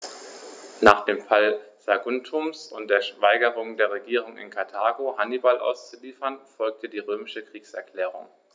Nach dem Fall Saguntums und der Weigerung der Regierung in Karthago, Hannibal auszuliefern, folgte die römische Kriegserklärung.